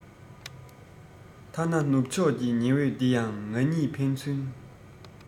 ཐ ན ནུབ ཕྱོག ཀྱི ཉི འོད འདི ཡང ང གཉིས ཕན ཚུན